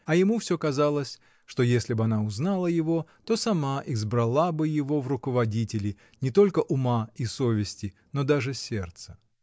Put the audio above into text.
А ему всё казалось, что если б она узнала его, то сама избрала бы его в руководители, не только ума и совести, но даже сердца.